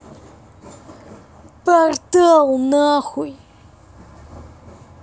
portal нахуй